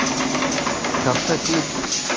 кафе клуб